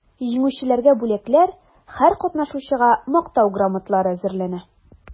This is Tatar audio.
Җиңүчеләргә бүләкләр, һәр катнашучыга мактау грамоталары әзерләнә.